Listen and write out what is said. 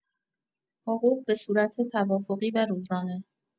حقوق بصورت توافقی و روزانه